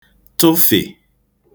tụfị̀